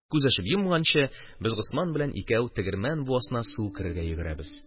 Күз ачып йомганчы без, Госман белән икәү, тегермән буасына су керергә йөгерәбез.